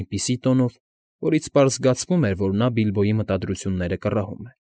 Այնպիսի տոնով, որից պարզ զգացում էր, որ նա Բիլբոյի մտադրությունները կռահում է։ ֊